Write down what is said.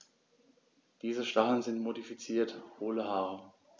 Diese Stacheln sind modifizierte, hohle Haare.